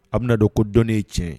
A bɛna don ko dɔnni ye tiɲɛ